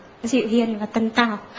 dịu hiền và tần tảo